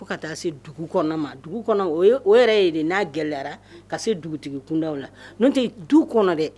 Fo ka taa se dugu kɔnɔ ma dugu kɔnɔ o yɛrɛ ye de n'a gɛlɛyayara ka se dugutigi kunda la tɛ du kɔnɔ dɛ